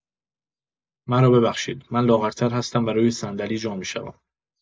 مرا ببخشید، من لاغرتر هستم و روی صندلی جا می‌شوم!